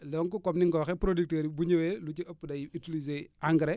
donc comme ni nga ko waxee producteur bi bu ñëwee lu ci ëpp day utiliser engrais